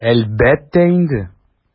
Әлбәттә инде!